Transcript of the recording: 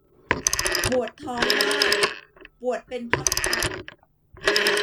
ปวดท้องมากปวดเป็นพักพัก